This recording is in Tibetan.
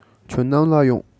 ཁྱོད ནམ ལ ཡོང